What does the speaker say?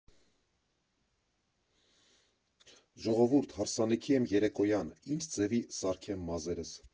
Ժողովուրդ, հարսանիքի եմ երեկոյան՝ ի՞նչ ձևի սարքեմ մազերս…